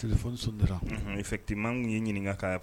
Selifɔda fɛtima tun ye ɲininkakan